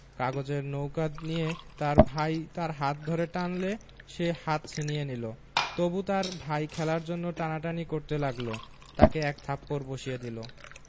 কাগজের নৌকো নিয়ে তার ভাই তার হাত ধরে টানলে সে হাত ছিনিয়ে নিলে তবু তার ভাই খেলার জন্যে টানাটানি করতে লাগলে তাকে এক থাপ্পড় বসিয়ে দিল